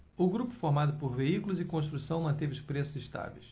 o grupo formado por veículos e construção manteve os preços estáveis